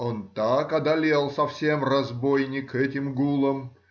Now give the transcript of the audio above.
он так одолел совсем, разбойник, этим гулом!